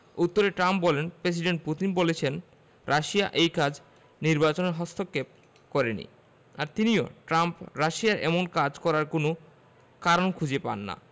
উত্তরে ট্রাম্প বললেন president Putin বলেছেন রাশিয়া এই কাজ নির্বাচনে হস্তক্ষেপ করেনি আর তিনিও ট্রাম্প রাশিয়ার এমন কাজ করার কোনো কারণ খুঁজে পান না